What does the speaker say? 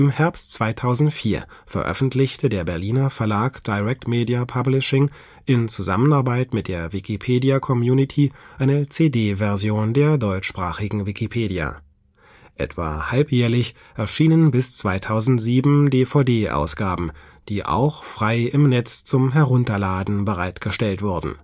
Herbst 2004 veröffentlichte der Berliner Verlag Directmedia Publishing in Zusammenarbeit mit der Wikipedia-Community eine CD-Version der deutschsprachigen Wikipedia. Etwa halbjährlich erschienen bis 2007 DVD-Ausgaben, die auch frei im Netz zum Herunterladen bereitgestellt wurden